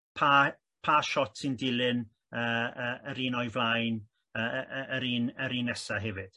pa pa siot sy'n dilyn yy yr un o'i flaen yy yy yr un yr un nesaf hefyd.